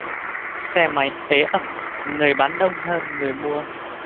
xe máy ế ẩm người bán đông hơn người mua